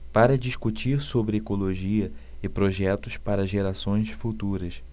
para discutir sobre ecologia e projetos para gerações futuras